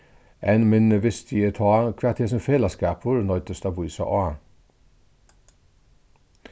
enn minni visti eg tá hvat hesin felagsskapur noyddist at vísa á